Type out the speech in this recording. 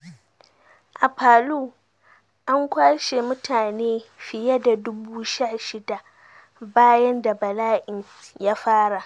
A Palu, an kwashe mutane fiye da 16,000 bayan da bala'in ya fara.